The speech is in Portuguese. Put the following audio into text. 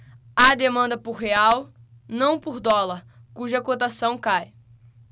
há demanda por real não por dólar cuja cotação cai